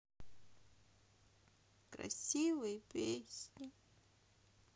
красивые песни